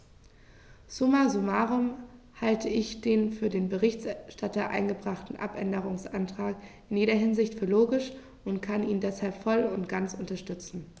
Summa summarum halte ich den von dem Berichterstatter eingebrachten Abänderungsantrag in jeder Hinsicht für logisch und kann ihn deshalb voll und ganz unterstützen.